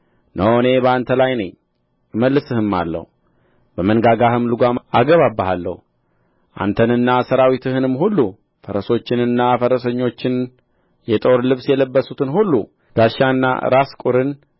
እነሆ እኔ በአንተ ላይ ነኝ እመልስህማለሁ በመንጋጋህም ልጓም አገባብሃለሁ አንተንና ሠራዊትህንም ሁሉ ፈረሶችንና ፈረሰኞችን የጦር ልብስ የለበሱትን ሁሉ ጋሻና ራስ ቍርን